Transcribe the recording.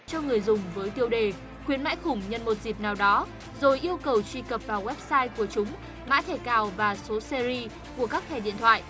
cho người dùng với tiêu đề khuyến mãi khủng nhân một dịp nào đó rồi yêu cầu truy cập vào ghép sai của chúng mã thẻ cào và số se ri của các thẻ điện thoại